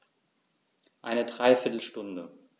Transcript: Eine dreiviertel Stunde